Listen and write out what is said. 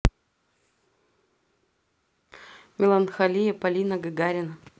меланхолия полина гагарина